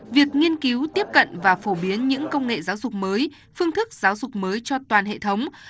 việc nghiên cứu tiếp cận và phổ biến những công nghệ giáo dục mới phương thức giáo dục mới cho toàn hệ thống